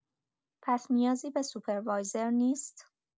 پس نیازی به سوپروایزر نیست؟